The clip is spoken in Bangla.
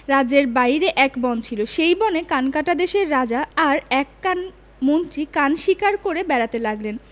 রাজ্যের বাইরে এক বন ছিল সেই বনে কানকাটা দেশের রাজা আর এক কান মন্ত্রী কান শিকার করে বেড়াতে লাগলেন